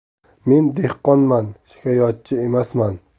men dehqonman shikoyatchi emasman